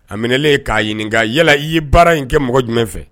A minɛen k'a ɲininka yala i yei baara in kɛ mɔgɔ jumɛn fɛ